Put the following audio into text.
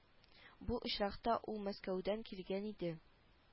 Бу очракта ул мәскәүдән килгән иде